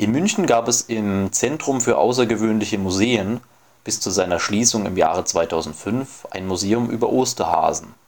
München gab es im Zentrum für Außergewöhnliche Museen, bis zu seiner Schließung im Jahre 2005, ein Museum über Osterhasen